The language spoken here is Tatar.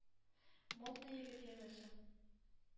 Модный егет, янәсе.